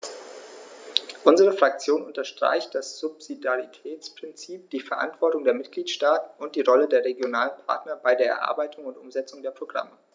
Unsere Fraktion unterstreicht das Subsidiaritätsprinzip, die Verantwortung der Mitgliedstaaten und die Rolle der regionalen Partner bei der Erarbeitung und Umsetzung der Programme.